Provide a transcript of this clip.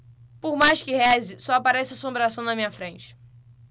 por mais que reze só aparece assombração na minha frente